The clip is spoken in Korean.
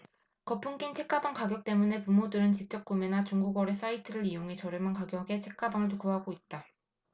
거품 낀 책가방 가격 때문에 부모들은 직접구매나 중고거래 사이트를 이용해 저렴한 가격에 책가방을 구하고 있다